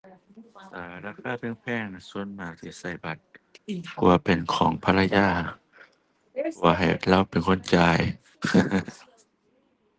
ถ้าราคาแพงแพงน่ะส่วนมากสิใช้บัตร เพราะว่าเป็นของภรรยา เพราะว่าให้เลาเป็นคนจ่าย